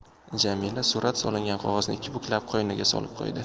jamila surat solingan qog'ozni ikki buklab qo'yniga solib qo'ydi